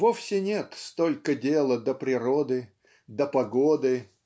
вовсе нет столько дела до природы до погоды